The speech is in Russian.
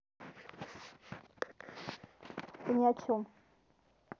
ты ни о чем